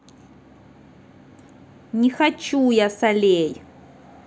не хочу я солей